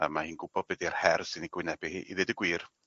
A mae hi'n gwbo be' 'di'r her sy'n ei gwynebu hi i ddeud y gwir